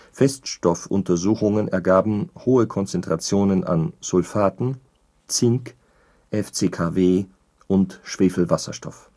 Feststoffuntersuchungen ergaben hohe Konzentrationen an Sulfaten, Zink, FCKW und Schwefelwasserstoff